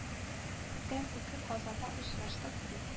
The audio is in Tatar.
Күптән түгел казанда очраштык бит